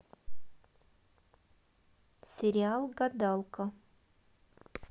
сериал гадалка